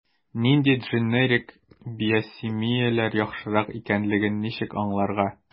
Нинди дженерик/биосимиляр яхшырак икәнлеген ничек аңларга?